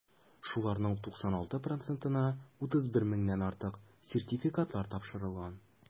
Шуларның 96 процентына (31 меңнән артык) сертификатлар тапшырылган.